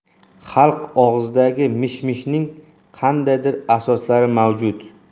xalq og'zidagi mish mishning qandaydir asoslari mavjud